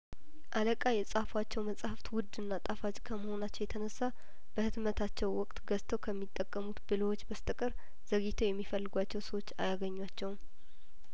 አለቃ የጻፏቸው መጽሀፍት ውድና ጣፋጭ ከመሆ ናቸው የተነሳ በህትመታቸው ወቅት ገዝተው ከሚጠቀሙት ብልህዎች በስተቀር ዘግይተው የሚፈልጓቸው ሰዎች አያገኟቸውም